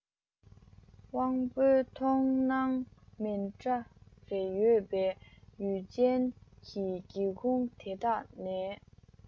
དབང པོའི མཐོང སྣང མི འདྲ རེ ཡོད པའི ཡུལ ཅན གྱི སྒེའུ ཁུང དེ དག ནས